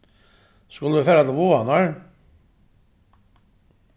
skulu vit fara til vágarnar